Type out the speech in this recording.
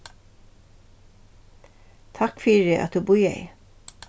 takk fyri at tú bíðaði